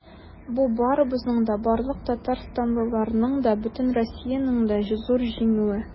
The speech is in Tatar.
Бу барыбызның да, барлык татарстанлыларның да, бөтен Россиянең дә зур җиңүе.